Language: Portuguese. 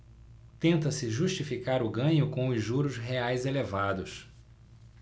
tenta-se justificar o ganho com os juros reais elevados